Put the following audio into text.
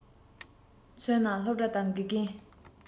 མཚོན ན སློབ གྲྭ དང དགེ རྒན